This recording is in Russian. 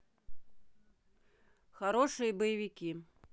хорошие боевики